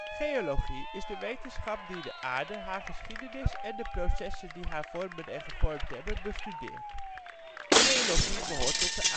Geologie is de wetenschap die de aarde, haar geschiedenis en de processen die haar vormen en gevormd hebben, bestudeert. Geologie behoort tot